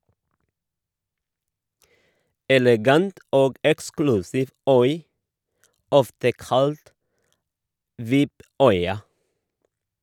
Elegant og eksklusiv øy, ofte kalt "VIP- øya".